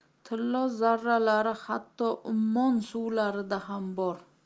tilla zarralari hatto ummon suvlarida ham bor